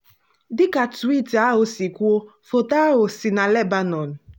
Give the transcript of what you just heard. Dịka twiiti ahụ si kwuo, foto ahụ si na Lebanon.